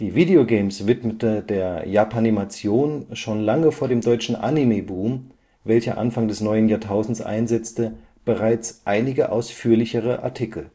Video Games widmete der Japanimation schon lange vor dem deutschen Anime-Boom, welcher Anfang des neuen Jahrtausends einsetzte, bereits einige ausführlichere Artikel